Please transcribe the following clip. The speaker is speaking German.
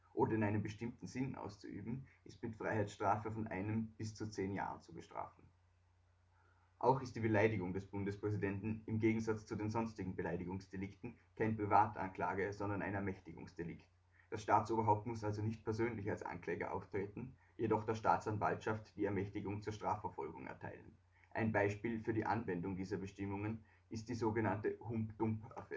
oder in einem bestimmten Sinn auszuüben, ist mit Freiheitsstrafe von einem bis zu zehn Jahren zu bestrafen. “Auch ist die Beleidigung des Bundespräsidenten im Gegensatz zu den sonstigen Beleidigungsdelikten kein Privatanklage -, sondern ein Ermächtigungsdelikt. Das Staatsoberhaupt muss also nicht persönlich als Ankläger auftreten, jedoch der Staatsanwaltschaft die Ermächtigung zur Strafverfolgung erteilen. Ein Beispiel für die Anwendung dieser Bestimmung ist die sogenannte „ Hump-Dump-Affäre